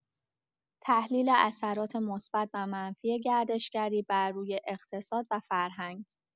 تحلیل اثرات مثبت و منفی گردشگری بر روی اقتصاد و فرهنگ